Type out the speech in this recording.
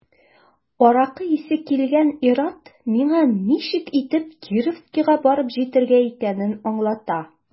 Аракы исе килгән ир-ат миңа ничек итеп Кировскига барып җитәргә икәнен аңлата.